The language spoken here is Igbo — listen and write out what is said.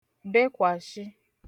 bekwàshi